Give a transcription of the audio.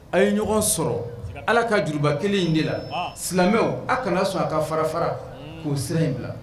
A ye ɲɔgɔn sɔrɔ ala ka juruba kelen in de la silamɛmɛw a kana sɔn a ka fara fara k'o siran in bila